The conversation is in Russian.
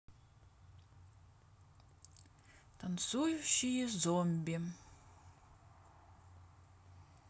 танцующие зомби